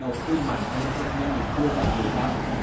đầu tư mạnh ở lĩnh vực nông nghiệp đưa ra dự báo